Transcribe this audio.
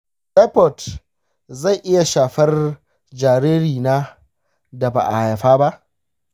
shin taifoid zai iya shafar jariri na da ba'a haifa ba?